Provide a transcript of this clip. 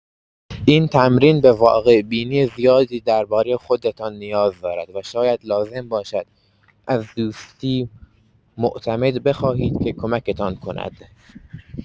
این تمرین به واقع‌بینی زیادی درباره خودتان نیاز دارد و شاید لازم باشد از دوستی معتمد بخواهید که کمکتان کند.